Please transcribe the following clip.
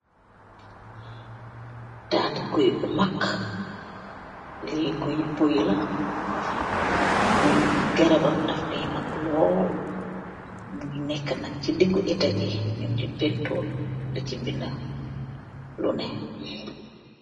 Tatee gooi bu maag lii gooi yi boii la booi garabam daff deh maag lool neka nak si degei etaah bi nung si painturr deesi beda luneh.